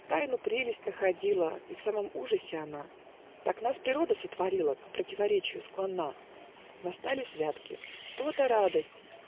Тайну прелесть находила И в самом ужасе она: Так нас природа сотворила, К противуречию склонна. Настали святки. То-то радость!